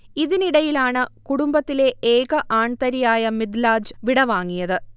ഇതിനിടയിലാണ് കുടുംബത്തിലെ ഏക ആൺതരിയായ മിദ്ലാജ് വിടവാങ്ങിയത്